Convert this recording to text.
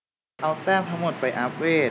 เอาแต้มทั้งหมดไปอัพเว